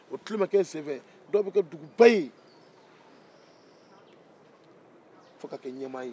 o tilemakɛ sen fɛ dɔw bɛ kɛ duguba ye fo ka kɛ ɲɛmɔgɔ ye